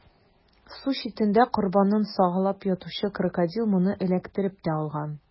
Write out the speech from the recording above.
Су читендә корбанын сагалап ятучы Крокодил моны эләктереп тә алган.